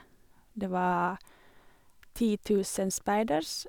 Det var ti tusen speidere.